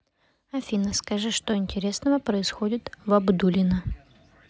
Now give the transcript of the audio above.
афина скажи что интересного происходит в абдулино